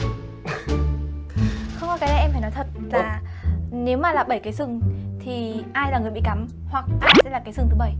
không không cái này em phải nói thật là nếu mà là bảy cái sừng thì ai là người bị cắm hoặc ai sẽ là cái sừng thứ bảy